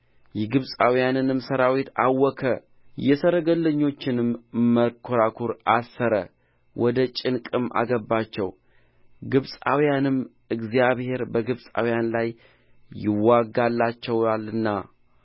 የግብፃውያንንም ሠራዊት አወከ የሰረገሎቹንም መንኰራኵር አሰረ ወደ ጭንቅም አገባቸው ግብፃውያንም እግዚአብሔር በግብፃውያን ላይ ይዋጋላቸዋልና